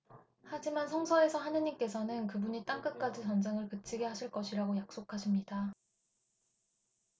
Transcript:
하지만 성서에서 하느님께서는 그분이 땅 끝까지 전쟁을 그치게 하실 것이라고 약속하십니다